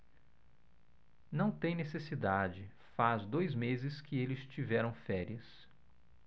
não tem necessidade faz dois meses que eles tiveram férias